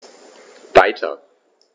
Weiter.